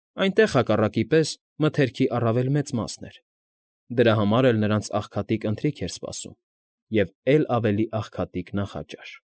Այնտեղ, հակառակի պես, մթերքի առավել մեծ մասն էր, դրա համար էլ նրանց աղքատիկ ընթրիք էր սպասում և էլ ավելի աղքատիկ նախաճաշ։